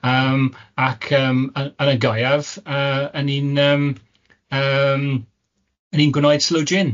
Yym ac yym yn yn y gaeaf yy y'n ni'n yym yym y'n ni'n gwneud slo gin.